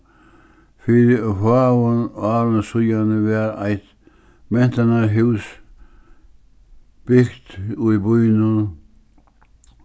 fyri fáum árum síðani var eitt mentanarhús bygt í býnum